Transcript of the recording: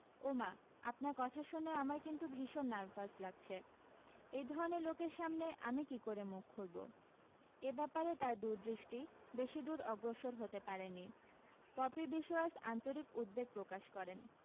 ওমা আপনার কথা শুনে আমার কিন্তু ভীষণ নার্ভাস লাগছে এই ধরণের লোকের সামনে আমি কী করে মুখ খুলবো এ ব্যাপারে তার দুরদৃষ্টি বেশিদূর অগ্রসর হতে পারে নি পপি বিশোয়াস আন্তরিক উদ্বেগ প্রকাশ করেন